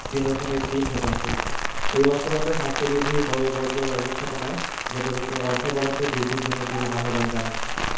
তিন দশমিক তিন শতাংশ এই বাস্তবতায় স্বাস্থ্যবিধি পয়ঃবর্জ্য ব্যবস্থাপনায় যথাযথ অর্থ বরাদ্দ বৃদ্ধির জন্য তিনি আহ্বান জানান